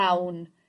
...llawn